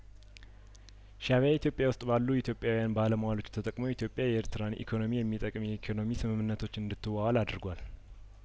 ሻእቢያኢትዮጵያውስጥባሉ ኢትዮጵያውያን ባለሟሎቹ ተጠቅሞ ኢትዮጵያየኤርትራን ኢኮኖሚ የሚጠቅም የኢኮኖሚ ስምምነቶችን እንድት ዋዋል አድርጓል